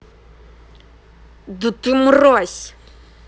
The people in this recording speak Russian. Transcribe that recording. да ты мразь